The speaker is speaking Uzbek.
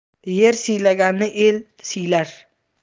yer siylaganni el siylar